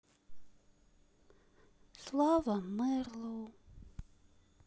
слава мэрлоу